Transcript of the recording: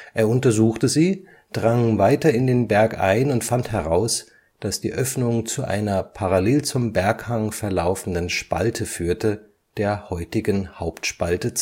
Er untersuchte sie, drang weiter in den Berg ein und fand heraus, dass die Öffnung zu einer parallel zum Berghang verlaufenden Spalte führte, der heutigen Hauptspalte